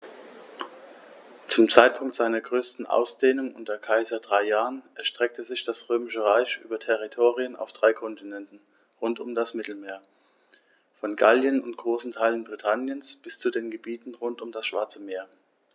Zum Zeitpunkt seiner größten Ausdehnung unter Kaiser Trajan erstreckte sich das Römische Reich über Territorien auf drei Kontinenten rund um das Mittelmeer: Von Gallien und großen Teilen Britanniens bis zu den Gebieten rund um das Schwarze Meer.